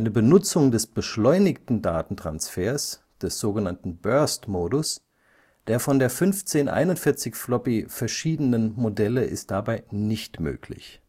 Benutzung des beschleunigten Datentransfers (Burst-Modus) der von der 1541-Floppy verschiedenen Modelle ist dabei nicht möglich